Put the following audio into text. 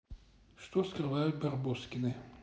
что скрывают барбоскины